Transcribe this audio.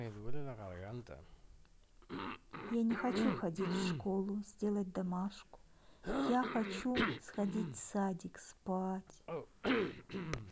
я не хочу ходить в школу сделать домашку я хочу сходить в садик спать